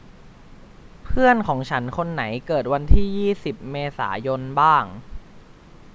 เพื่อนของฉันคนไหนเกิดวันที่ยี่สิบเมษายนบ้าง